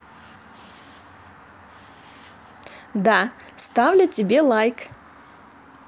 да ставлю тебе лайк